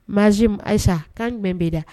Majim Ayisa, kan jumɛn de bɛ i da?